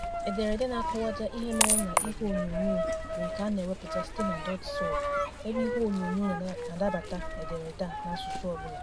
Ederede na-akọwada ihe mere na ihe onyonyo bụ nke a na-ewepụta site na dotSUB, ebe ihe onyonyo na-anabata ederede a n'asụsụ ọbụla.